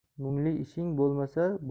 mungli ishing bo'lmasa